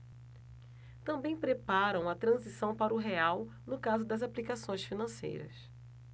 também preparam a transição para o real no caso das aplicações financeiras